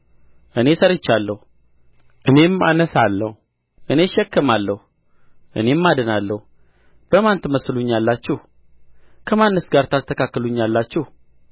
እኔ ሠርቻለሁ እኔም አነሣለሁ እኔ እሸከማለሁ እኔም አድናለሁ በማን ትመስሉኛላችሁ ከማንስ ጋር ታስተካክሉኛላችሁ